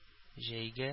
Җәйге